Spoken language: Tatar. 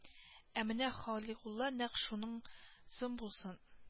Ә менә халигуллага нәкъ шуныңсын булсын